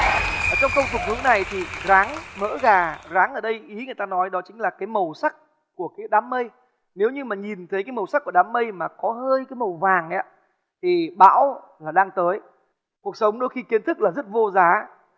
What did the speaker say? ở trong câu tục ngữ này thì ráng mỡ gà ráng ở đây ý người ta nói đó chính là cái màu sắc của cái đám mây nếu như mà nhìn thấy cái màu sắc của đám mây mà có hơi cái màu vàng ấy ạ thì bão là đang tới cuộc sống đôi khi kiến thức là rất vô giá